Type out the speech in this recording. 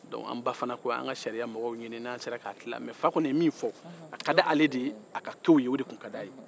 donke an ba fana ko an sariya mɔgɔw ɲini n'an sera k'a tilan mɛ fa kɔni ye min fɔ a ka d'ale de ye a ka kɛ o ye o de tun ka d'a ye